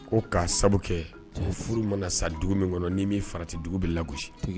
O k'a sababu kɛ o furu mana sa dugu min kɔnɔ ni min farati dugu bɛ la gosi